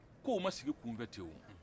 kow ma sigi kunfɛ ten o